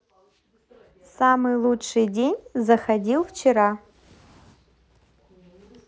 самый лучший день заходил вчера